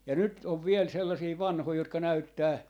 ja nyt on vielä sellaisia vanhoja jotka näyttää